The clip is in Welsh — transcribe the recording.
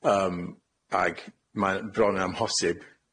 Yym, ac mae bron yn amhosib